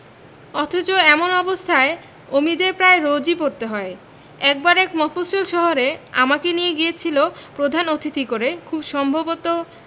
অথচ এমন অবস্থায় অমিদের প্রায় রোজই পড়তে হয় একবার এক মফস্বল শহরে আমাকে নিয়ে গিয়েছিল প্রধান অতিথি করে খুব সম্ভব